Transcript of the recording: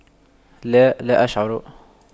لا لا أشعر